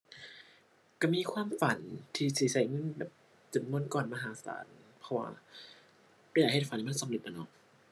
ก็มีความฝันที่สิก็เงินแบบจำนวนก้อนมหาศาล เพราะว่าก็อยากเฮ็ดฝันให้มันสำเร็จล่ะเนาะ